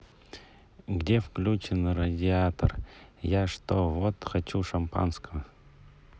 где включен радиатор я что то вот хочу шампанского